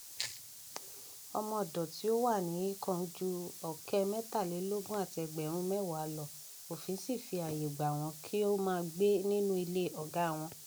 Ọmọ-ọ̀dọ̀ tí ó wà ní Hong Kong ju 370,000 lọ, òfin ṣì fi àyè gbà wọ́n kí ó máa gbé nínú ilé ọ̀gáa wọn.